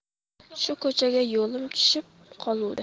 shu ko'chaga yo'lim tushib qoluvdi